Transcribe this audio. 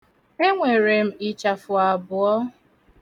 Enwere m ịchafụ abụọ.